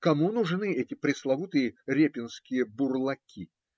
Кому нужны эти пресловутые репинские "Бурлаки"?